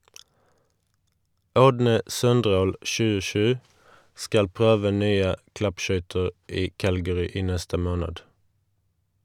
Ådne Søndrål (27) skal prøve nye klappskøyter i Calgary i neste måned.